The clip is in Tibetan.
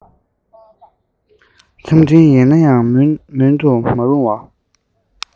མཚམས སྤྲིན ཡལ ན ཡང མུན ད དུང མ རུབ